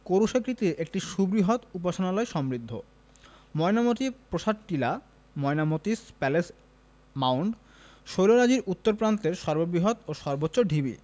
ক্রুশাকৃতির একটি সুবৃহৎ উপাসনালয় সমৃদ্ধ ময়নামতী প্রাসাদ টিলা ময়নামতিস প্যালেস মাওন্ড শৈলরাজির উত্তর প্রান্তের সর্ববৃহৎ ও সর্বোচ্চ ঢিবি